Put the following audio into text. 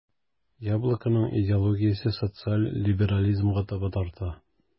"яблоко"ның идеологиясе социаль либерализмга таба тарта.